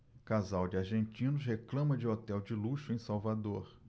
casal de argentinos reclama de hotel de luxo em salvador